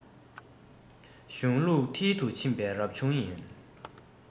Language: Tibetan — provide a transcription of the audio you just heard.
གཞུང ལུགས མཐིལ དུ ཕྱིན པའི རབ བྱུང ཡིན